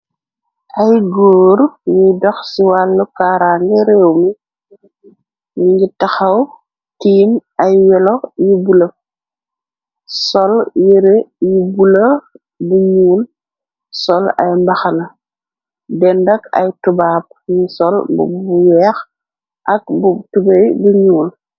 Ay góor nuy dox ci wàll kaara ngi réew mu ngi taxaw tiim ay welo yi bula sol yëre yi bula bu ñuul sol ay mbaxana dendak ay tubaab ni sol bubu weex ak bu tubey bi ñyuul.